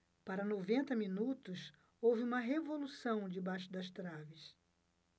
para noventa minutos houve uma revolução debaixo das traves